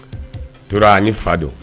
Tora ni fa don